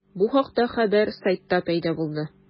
Бу хакта хәбәр сайтта пәйда булды.